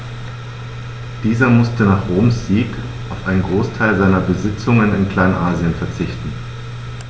Dieser musste nach Roms Sieg auf einen Großteil seiner Besitzungen in Kleinasien verzichten.